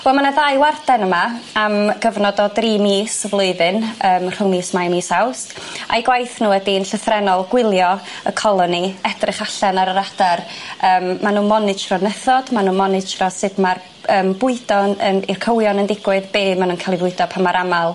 Wel ma' na ddau warden yma am gyfnod o dri mis y flwyddyn yym rhwng mis Mai a mis Awst a'u gwaith n'w ydi'n llythrennol gwylio y coloni edrych allan ar yr adar yym ma' n'w'n monitro'r nythod ma' n'w'n monitro sud ma'r yym bwydo'n yn i'r cywion yn digwydd be' ma' n'w'n ca'l i fwydo pan ma'r amal.